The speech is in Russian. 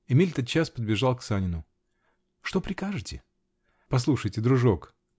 Эмиль тотчас подбежал к Санину. -- Что прикажете? -- Послушайте, дружок.